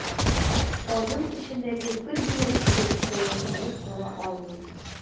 Аның эчендәге бер генә дефекты да яшеренеп кала алмый.